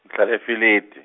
ngihlala eFilidi.